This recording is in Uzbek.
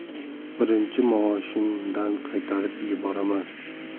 birinchi maoshimdan qaytarib yuboraman